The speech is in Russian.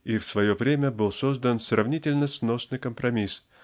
и в свое время бил создан сравнительно сносный компромисс